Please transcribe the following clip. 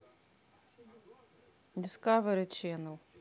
дискавери ченел